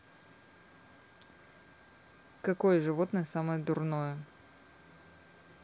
какое животное самое дурное